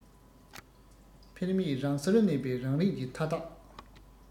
འཕེལ མེད རང སོར གནས པའི རང རིགས ཀྱི མཐའ དག